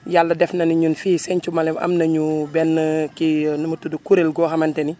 yàlla def na ni ñun fii Sinthiou Malem am nañu benn kii nu mu tudd kuréel goo xamante ni